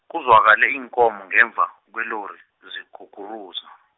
kuzwakale iinkomo ngemva, kwelori, ziguguruza.